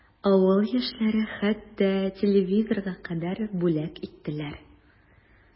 Авыл яшьләре хәтта телевизорга кадәр бүләк иттеләр.